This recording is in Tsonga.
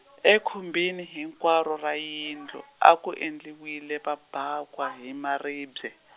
ekhumbini hinkwaro ra yindlu, a ku endliwile mabakwa hi maribye.